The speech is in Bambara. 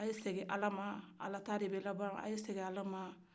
a ye segin ala ma ala ta de bɛ la ban